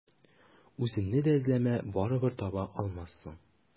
Үземне дә эзләмә, барыбер таба алмассың.